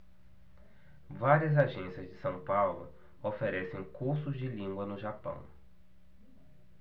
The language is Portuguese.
várias agências de são paulo oferecem cursos de língua no japão